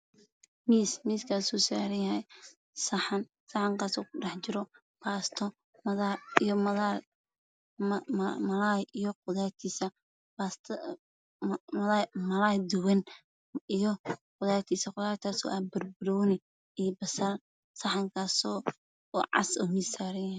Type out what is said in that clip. Miis miiskaasoo saaranyahay saxan ku dhex jiro baasta. iyo malaay qudaartiisa wadto malaay duban iyo. qudaartiisa. qudaartaasoo .aan barbanooni iyo basal saxankasoo cas oo.miis saaranyahay